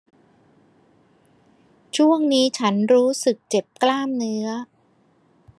ช่วงนี้ฉันรู้สึกเจ็บกล้ามเนื้อ